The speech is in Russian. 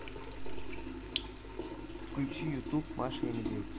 включи ютуб маша и медведь